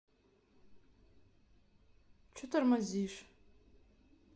че тормозишь